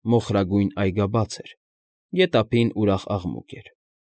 Մոխրագույն այգաբաց էր, գետափին ուրախ աղմուկ էր։